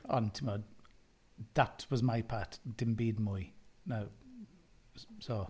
Ond tibod, that was my part. Dim byd mwy na... So...